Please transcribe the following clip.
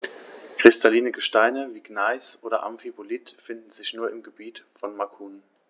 Kristalline Gesteine wie Gneis oder Amphibolit finden sich nur im Gebiet von Macun.